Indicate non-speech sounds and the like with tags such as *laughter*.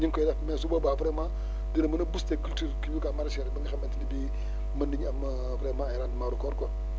ñu ngi koy def mais su boobaa vraiment *breath* dina mën a booster culture kii bi quoi maraichère ba nga xamante ne bii mën nañu am *hesitation* vraiment ay rendement record quoi